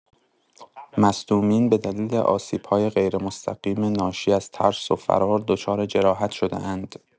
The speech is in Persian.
مصدومین به دلیل آسیب‌های غیرمستقیم ناشی از ترس و فرار دچار جراحت شده‌اند.